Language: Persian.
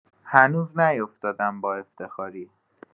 هنوز نیوفتادم با افتخاری